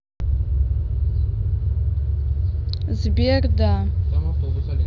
сбер да